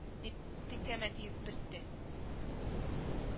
Дип теңкәмә тиеп бетте